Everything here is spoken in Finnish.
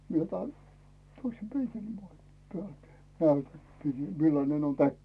minä otan toisen peikelin pois päältä näytän millainen on täkki